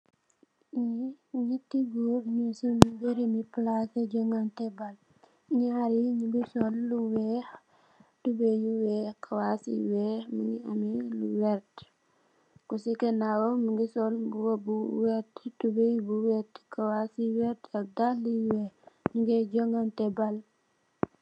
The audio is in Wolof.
Lii, njehti gorre njung cii mbirumi plaasi johnganteh bal, njaar yii njungy sol lu wekh, tubeiyy yu wekh ak kawass yu wekh, mungy ameh lu vert, kusi ganaw mungy sol mbuba bu vert, tubeiyy bu vert, kawass yu vert ak daalu yu wekh, njungeh johnganteh bal.